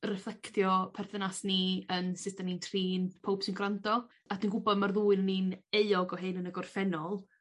refflectio perthynas ni yn sut 'dyn ni'n trin powb sy'n grando a dwi'n gwbod ma'r ddwy onyn ni'n euog o hyn yn y gorffennol